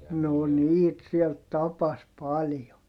no niitä siellä tapasi paljon